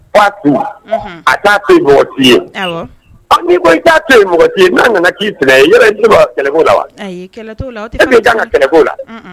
Tuma a t taa to mɔgɔ ye'i i taa to mɔgɔ n'a nana k'i kɛlɛ yɛrɛ kɛlɛ la wa bɛ ka kɛlɛ la